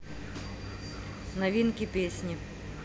новинки песни